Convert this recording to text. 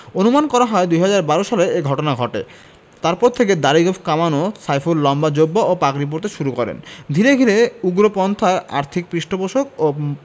অনুমান করা হয় ২০১২ সালে এ ঘটনা ঘটে এরপর থেকে দাড়ি গোঁফ কামানো সাইফুল লম্বা জোব্বা ও পাগড়ি পরতে শুরু করেন ধীরে ধীরে উগ্রপন্থার আর্থিক পৃষ্ঠপোষক ও